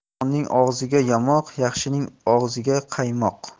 yomonning og'ziga yamoq yaxshining og'ziga qaymoq